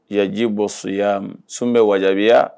Yan ji bɔ soya sun bɛ wa jaabiya